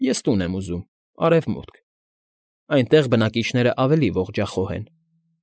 Ես տուն են ուզում, արևմուտք, այնտեղ բնակիչներն ավելի ողջախոհ են։